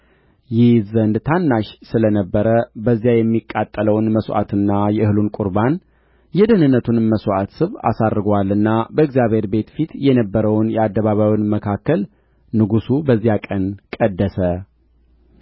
ይይዝ ዘንድ ታናሽ ስለ ነበረ በዚያ የሚቃጠለውን መሥዋዕትና የእህሉን ቍርባን የደኅንነቱንም መሥዋዕት ስብ አሳርጎአልና በእግዚአብሔር ቤት ፊት የነበረውን የአደባባዩ መካከል ንጉሡ በዚያ ቀን ቀደሰ